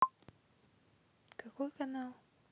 какой канал